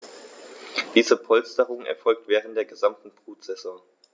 Diese Polsterung erfolgt während der gesamten Brutsaison.